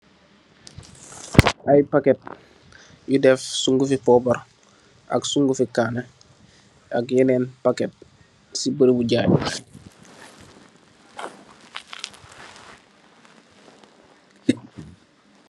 Aye packet yu def sugufe pobarr ak sugufe kanee ak yenen packet se berebu jayekaye be.